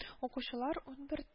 Укучылар унбер